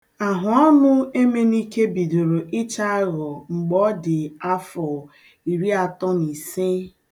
Ahụọnụ Emenike bidoro ịcha aghọ mgbe ọ dị afọ iri atọ n'ise..